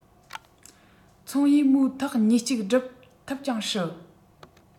ཚོང ཡིས མོའི ཐོག གཉིས གཅིག བསྒྲུབ ཐུབ ཀྱང སྲིད